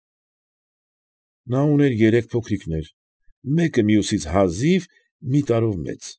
Նա ուներ երեք փոքրիկներ, մեկը մյուսից հազիվ մի տարով մեծ։